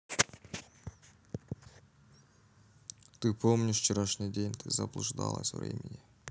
ты помнишь вчерашний день ты заблуждалась времени